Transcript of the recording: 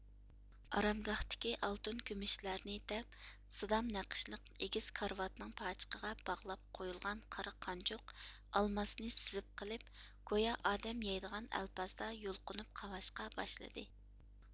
ئارامگاھتىكى ئالتۇن كۈمۈشلەرنى دەپ سىدام نەقىشلىك ئېگىز كارىۋاتنىڭ پاچىقىغا باغلاپ قويۇلغان قارا قانجۇق ئالماسنى سىزىپ قېلىپ گويا ئادەم يەيدىغان ئەلپازدا يۇلقۇنۇپ قاۋاشقا باشلىدى